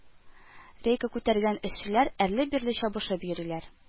Рейка күтәргән эшчеләр әрле-бирле чабышып йөриләр